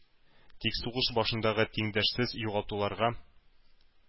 Тик сугыш башындагы тиңдәшсез югалтуларга,